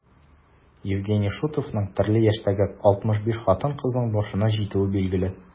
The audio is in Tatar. Евгений Шутовның төрле яшьтәге 65 хатын-кызның башына җитүе билгеле.